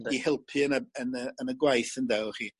i helpu yn y yn y yn y gwaith ynde wch chi.